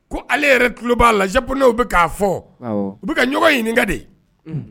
Ko ale yɛrɛ tulo b'a la japonnais w be k'a fɔ awɔ u be ka ɲɔgɔn ɲininka de